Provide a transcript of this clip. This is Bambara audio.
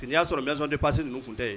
N' y'a sɔrɔ m pasi ninnu'u tun tɛ ye